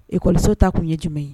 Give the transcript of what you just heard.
Ecole so ta tun ye jumɛn ye